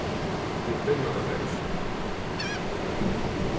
vit finna tað bara ikki